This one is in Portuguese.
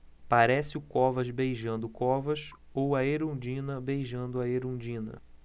parece o covas beijando o covas ou a erundina beijando a erundina